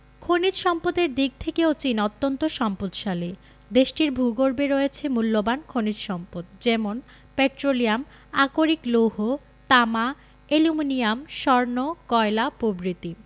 খনিজ সম্পদের দিক থেকেও চীন অত্যন্ত সম্পদশালী দেশটির ভূগর্ভে রয়েছে মুল্যবান খনিজ সম্পদ যেমন পেট্রোলিয়াম আকরিক লৌহ তামা অ্যালুমিনিয়াম স্বর্ণ কয়লা প্রভৃতি